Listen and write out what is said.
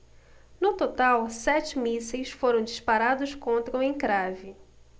no total sete mísseis foram disparados contra o encrave